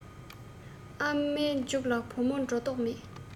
ཨ མའི མཇུག ལ བུ མོ འགྲོ མདོག མེད